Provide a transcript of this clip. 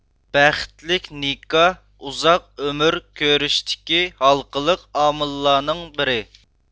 بەختلىك نىكاھ ئۇزاق ئۆمۈر كۆرۈشتىكى ھالقىلىق ئامىللارنىڭ بىرى